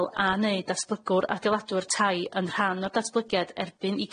El a neu datblygwr adeiladwr tai yn rhan o'r datblygiad erbyn i